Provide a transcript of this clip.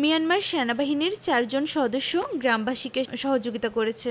Myanmar সেনাবাহিনীর চারজন সদস্য গ্রামবাসীকে সহযোগিতা করেছে